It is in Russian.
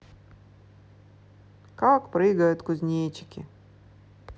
как прыгают кузнечики